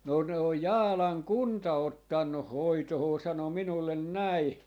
no ne on Jaalan kunta ottanut hoitoon sanoi minulle näin